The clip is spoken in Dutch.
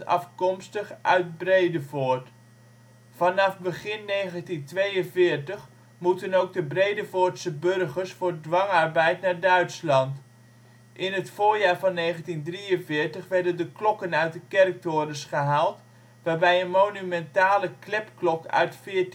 afkomstig uit Bredevoort. Vanaf begin 1942 moeten ook de Bredevoortse burgers voor dwangarbeid naar Duitsland. In het voorjaar van 1943 werden de klokken uit de kerktorens gehaald, waarbij een monumentale klepklok uit 1454